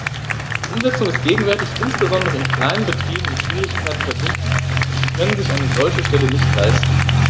Die Umsetzung ist gegenwärtig insbesondere in kleinen Betrieben mit Schwierigkeiten verbunden, denn sie können sich eine solche Stelle nicht leisten.